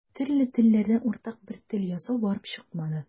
Төрле телләрдән уртак бер тел ясау барып чыкмады.